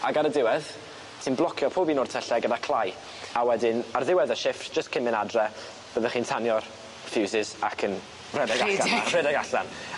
Ag ar y diwedd ti'n blocio pob un o'r tylle gyda clai a wedyn ar ddiwedd y shifft jyst cyn myn' adre fyddech chi'n tanio'r fuses ac yn rhedeg allan.